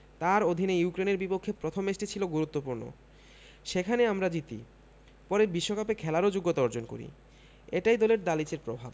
তাঁর অধীনে ইউক্রেনের বিপক্ষে প্রথম ম্যাচটি ছিল গুরুত্বপূর্ণ সেখানে আমরা জিতি পরে বিশ্বকাপে খেলারও যোগ্যতা অর্জন করি এটাই দলে দালিচের প্রভাব